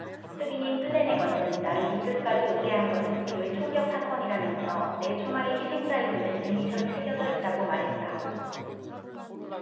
흑인인 플래내건은 나를 이 끝까지 오게 한 것은 교회 총격사건이라면서 내 총알에 희생자 이름 이니셜이 새겨져 있다고 말했다